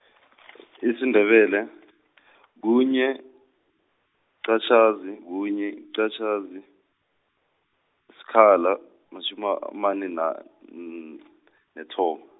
isiNdebele, kunye, -qatjhazi, kunye, -qatjhazi, sikhala, matjhumi amane nan- nethoba.